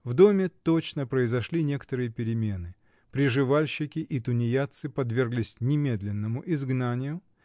В доме точно произошли некоторые перемены: приживальщики и тунеядцы подверглись немедленному изгнанию